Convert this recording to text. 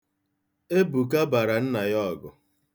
Ebuka bara nna ya ọgụ.